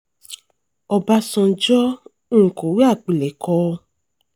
Ọbásanjọ́, òǹkọ̀wé àpilẹ̀kọ?